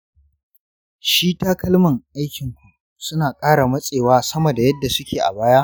shi takalman aikinku su na ƙara matsewa sama da yadda su ke a baya?